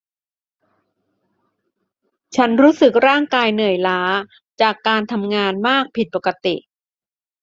ฉันรู้สึกร่างกายเหนื่อยล้าจากการทำงานมากผิดปกติ